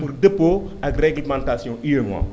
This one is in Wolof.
pour dëppoo ak reglementation UEMOA